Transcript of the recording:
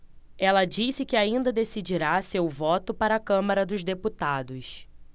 ela disse que ainda decidirá seu voto para a câmara dos deputados